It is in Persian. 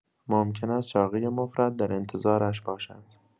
ممکن است چاقی مفرط در انتظارش باشد.